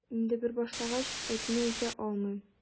Инде бер башлангач, әйтми үтә алмыйм...